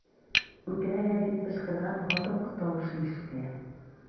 "үтерәләр” дип кычкырган хатын-кыз тавышы ишетелә.